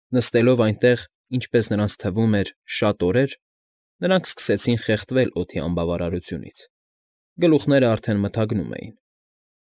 Նստելով այնտեղ, ինչպես նրանց թվում էր, շատ օրեր, նրանք սկսեցին խեղդվել օդի անբավարարությունից, գլուխներն արդեն մթագնում էին։